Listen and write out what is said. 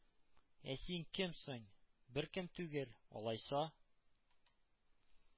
Ә син кем соң? Беркем түгел? Алайса,